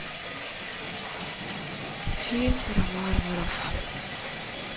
фильм про варваров